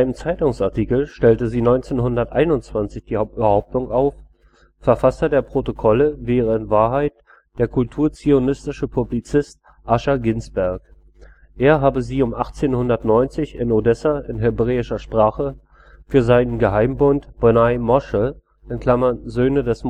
Zeitungsartikel stellte sie 1921 die Behauptung auf, Verfasser der Protokolle wäre in Wahrheit der kulturzionistische Publizist Ascher Ginzberg. Er habe sie um 1890 in Odessa in hebräischer Sprache für seinen Geheimbund Bnei Moshe (Söhne des